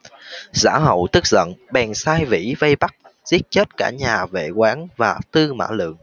giả hậu tức giận bèn sai vĩ vây bắt giết chết cả nhà vệ quán và tư mã lượng